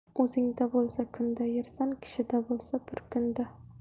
o'zingda bo'lsa kunda yersan kishida bo'lsa bir kunda